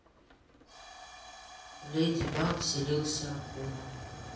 в леди баг вселился акума